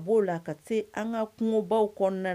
B'o la ka se an ka kungobaw kɔnɔna